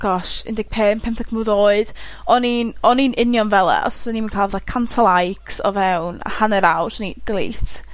gosh un deg pump, pymtheg mlwydd oed, o'n i'n o'n i'n union fela. Os o'n i 'im yn ca'l 'tha cant o likes o fewn hanner awr, 'swn i delete.